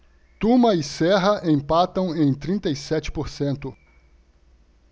tuma e serra empatam em trinta e sete por cento